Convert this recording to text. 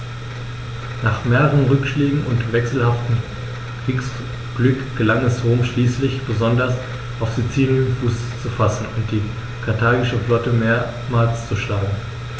Nach mehreren Rückschlägen und wechselhaftem Kriegsglück gelang es Rom schließlich, besonders auf Sizilien Fuß zu fassen und die karthagische Flotte mehrmals zu schlagen.